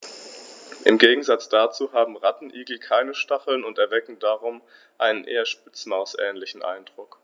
Im Gegensatz dazu haben Rattenigel keine Stacheln und erwecken darum einen eher Spitzmaus-ähnlichen Eindruck.